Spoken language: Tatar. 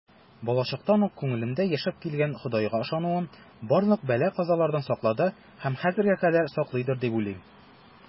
Балачактан ук күңелемдә яшәп килгән Ходайга ышануым барлык бәла-казалардан саклады һәм хәзергә кадәр саклыйдыр дип уйлыйм.